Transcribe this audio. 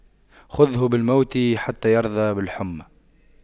خُذْهُ بالموت حتى يرضى بالحُمَّى